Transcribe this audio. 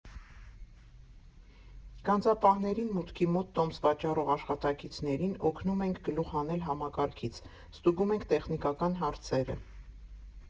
Գանձապահներին, մուտքի մոտ տոմս վաճառող աշխատակիցներին օգնում ենք գլուխ հանել համակարգից, ստուգում ենք տեխնիկական հարցերը։